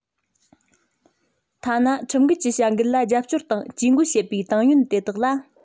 ཐ ན ཁྲིམས འགལ གྱི བྱ འགུལ ལ རྒྱབ སྐྱོར དང ཇུས བཀོད བྱེད པའི ཏང ཡོན དེ དག ལ